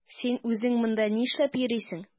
Син үзең монда нишләп йөрисең?